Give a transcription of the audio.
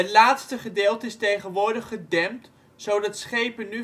laatste gedeelte is tegenwoordig gedempt, zodat schepen